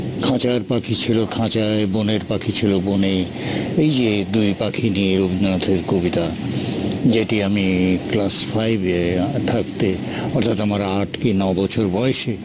খাঁচার পাখি ছিল খাঁচায় বনের পাখি ছিল বনে এই যে ২ দুই পাখি নিয়ে রবীন্দ্রনাথের কবিতা যেটি আমি ক্লাস ফাইভে থাকতে অর্থাৎ আমার আট কি ন বছর বয়সে